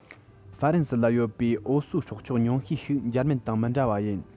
ཧྥ རན སི ལ ཡོད པའི འོ གསོའི སྲོག ཆགས ཉུང ཤས ཤིག འཇར མན དང མི འདྲ བ ཡིན